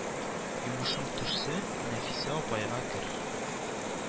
Йомышың төшсә, Нәфисә апайга кер